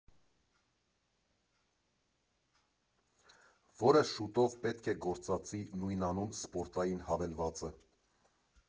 Որը շուտով պետք է գործածի նույնանուն սպորտային հավելվածը։